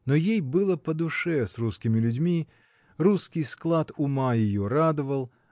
но ей было по душе с русскими людьми русский склад ума ее радовал